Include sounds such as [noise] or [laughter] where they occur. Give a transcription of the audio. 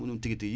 [hesitation] [hesitation]